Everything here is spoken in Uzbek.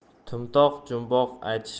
to'mtoq jumboq aytishma